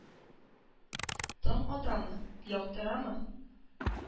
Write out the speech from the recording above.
Таң атамы? Яктырамы?